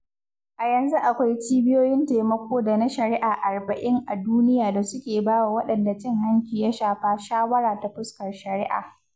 A yanzu akwai cibiyoyin taimako da na shari'a 40 a duniya da suke ba wa waɗanda cin-hanci ya shafa shawara ta fuskar shari'a.